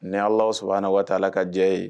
Nin ala s waati' la ka jɛ ye